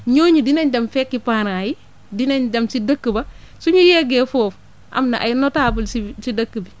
ñooñu dinañ dem fekki parents yi dinañ dem si dëkk ba yeggee foofu am na ay notables si si dëkk bi